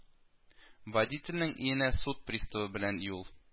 Водительнең өенә суд приставы белән юл